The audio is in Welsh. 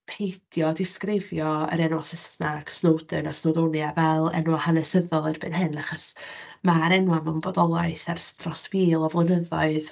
Peidio â disgrifio yr enwau Saesneg, Snowdon a Snowdonia fel enwau hanesyddol erbyn hyn, achos ma'r enwau mewn bodolaeth ers dros fil o flynyddoedd.